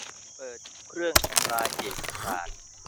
เปิดเครื่องทำลายเอกสาร